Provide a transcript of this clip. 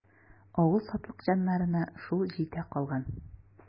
Авыл сатлыкҗаннарына шул җитә калган.